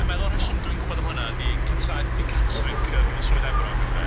Dwi'n meddwl y rheswm dwi'n gwbod am hwnna 'di Catraeth 'di Catterick yn Swydd Efrog ynde?